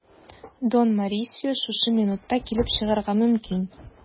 Дон Морисио шушы минутта килеп чыгарга мөмкин.